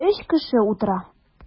Өч кеше утыра.